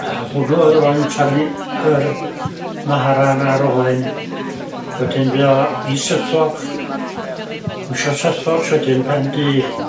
Yy hwnnw o'dd yr oen arnu- yr maharan ar oen wedyn fuodd o i Suffolk dwi isio Suffolks wedyn pen du.